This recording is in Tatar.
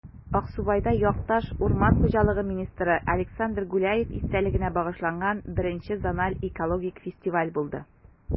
Аксубайда якташ, урман хуҗалыгы министры Александр Гуляев истәлегенә багышланган I зональ экологик фестиваль булды